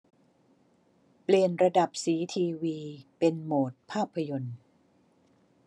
เปลี่ยนระดับสีทีวีเป็นโหมดภาพยนต์